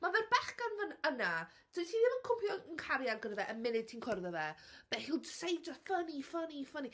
Mae fe bachgen fel yna. Dwyt ti ddim yn cwympo mewn cariad gyda fe y munud ti'n cwrdd â fe, but he'll just say funny, funny, funny...